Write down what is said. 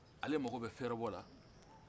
ale de mako bɛ fɛrɛbɔ la